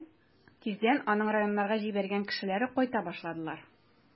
Тиздән аның районнарга җибәргән кешеләре кайта башладылар.